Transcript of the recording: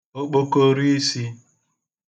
okpokoroisī